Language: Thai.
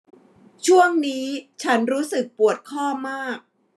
ช่วงนี้ฉันรู้สึกปวดข้อมาก